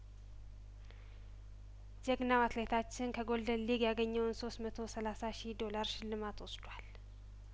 ጀግናው አትሌታችን ከጐልደን ሊግ ያገኘውን ሶስት መቶ ሰላሳ ሺ ዶላር ሽልማት ወስዷል